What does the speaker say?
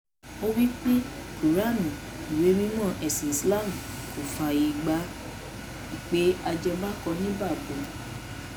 Ó wí pé, Quran, ìwé mímọ́ ẹ̀sìn Islam, kò fààyè gba ipa ajẹmákọ-ń-bábo.